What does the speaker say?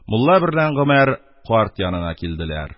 Мулла берлән гомәр карт янына килделәр.